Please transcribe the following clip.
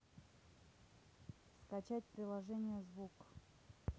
скачать приложение звук